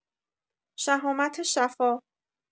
شهامت شفا